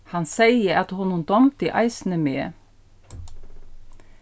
hann segði at honum dámdi eisini meg